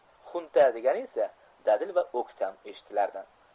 xunta degani esa dadil va o'ktam eshitilardi